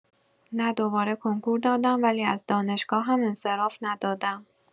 نه دوباره کنکور دادم ولی از دانشگاهم انصراف ندادم.